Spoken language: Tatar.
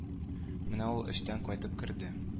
Менә ул эштән кайтып керде